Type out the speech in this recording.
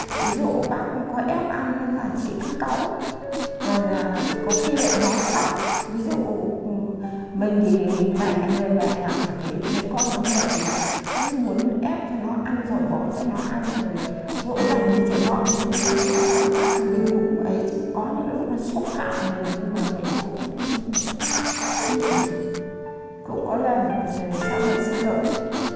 ví dụ bác có ép ăn á là chị cứ cáu rồi là có khi lại nói sõng ví dụ mình thì mẹ người mẹ nào chả thế thấy con nó mệt thì cứ muốn ép cho nó ăn xong rồi bón cho nó ăn dỗ dành như trẻ con ấy nên là lúc mà cáu gắt là mình cũng ấy chứ có những lúc nó xúc phạm mình nhưng mà mình cũng nhịn được cũng có lần xong rồi xin lỗi